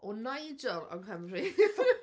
or Nigel yng Nghymru.